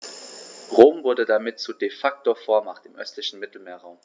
Rom wurde damit zur ‚De-Facto-Vormacht‘ im östlichen Mittelmeerraum.